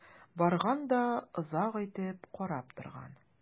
Барган да озак итеп карап торган.